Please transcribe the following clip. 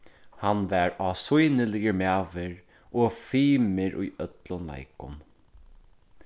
hann var ásýniligur maður og fimur í øllum leikum